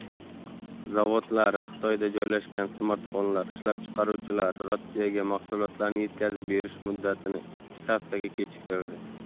zavodlari xitoyda joylashgan smartfonlar ishlab chiqaruvchilari rossiyaga mahsulotlarni yetkazib berish muddatini ikki haftaga kechiktirdi